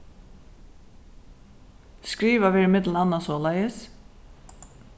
skrivað verður millum annað soleiðis